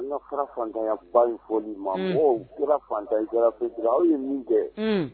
Ni ma fara fatanyaba in fɔ ma , mɔgɔw i kɛra fantan ye i kɛra fɛn tigi ye aw ye min kɛ